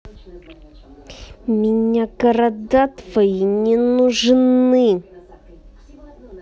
меня города твои не нужны